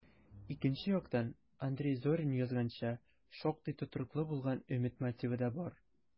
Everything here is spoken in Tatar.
Икенче яктан, Андрей Зорин язганча, шактый тотрыклы булган өмет мотивы да бар: